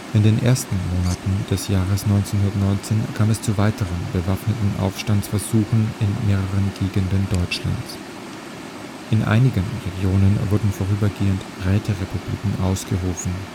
In den ersten Monaten des Jahres 1919 kam es zu weiteren bewaffneten Aufstandsversuchen in mehreren Gegenden Deutschlands. In einigen Regionen wurden vorübergehend Räterepubliken ausgerufen